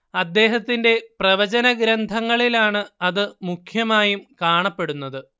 അദ്ദേഹത്തിന്റെ പ്രവചനഗ്രന്ഥങ്ങളിലാണ് അത് മുഖ്യമായും കാണപ്പെടുന്നത്